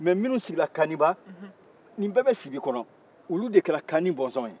mɛ minnu sigira kaniba nin bɛɛ sibi kɔnɔ olu de kɛra kani bɔnsɔn